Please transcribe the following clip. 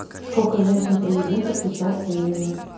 сколько женщин президентов сейчас в мире